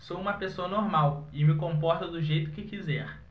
sou homossexual e me comporto do jeito que quiser